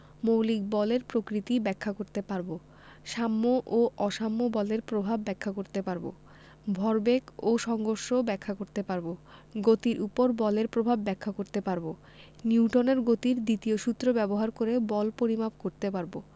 মৌলিক বলের প্রকৃতি ব্যাখ্যা করতে পারব সাম্য ও অসাম্য বলের প্রভাব ব্যাখ্যা করতে পারব ভরবেগ এবং সংঘর্ষ ব্যাখ্যা করতে পারব গতির উপর বলের প্রভাব বিশ্লেষণ করতে পারব নিউটনের গতির দ্বিতীয় সূত্র ব্যবহার করে বল পরিমাপ করতে পারব